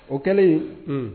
O kɛlen